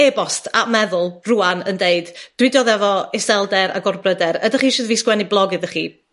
e-bost at meddwl, rŵan, yn deud, dwi'n diodde efo iselder, a gor bryder. Ydych chi eisiau fi sgwennu blog iddoch chi?